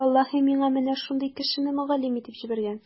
Аллаһы миңа менә шундый кешене мөгаллим итеп җибәргән.